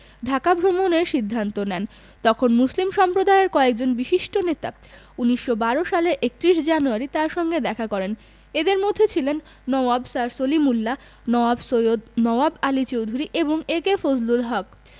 ঢাকা ভ্রমণের সিদ্ধান্ত নেন তখন মুসলিম সম্প্রদায়ের কয়েকজন বিশিষ্ট নেতা ১৯১২ সালের ৩১ জানুয়ারি তাঁর সঙ্গে সাক্ষাৎ করেন এঁদের মধ্যে ছিলেন নওয়াব স্যার সলিমুল্লাহ নওয়াব সৈয়দ নওয়াব আলী চৌধুরী এবং এ.কে ফজলুল হক